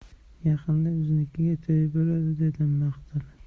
yaqinda biznikida to'y bo'ladi dedim maqtanib